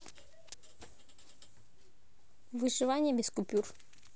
выживание без купюр